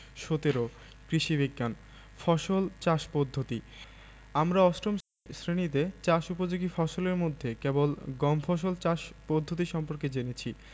১৭ কৃষি বিজ্ঞান ফসল চাষ পদ্ধতি আমরা অষ্টম শ্রেণিতে চাষ উপযোগী ফসলের মধ্যে কেবল গম ফসল চাষ পদ্ধতি সম্পর্কে জেনেছি